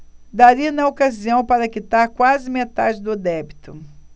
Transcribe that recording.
daria na ocasião para quitar quase metade do débito